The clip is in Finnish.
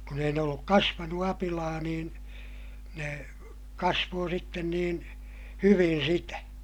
kun ei ne ollut kasvanut apilaa niin ne kasvoi sitten niin hyvin sitä